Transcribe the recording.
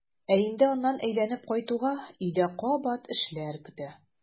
Ә инде аннан әйләнеп кайтуга өйдә кабат эшләр көтә.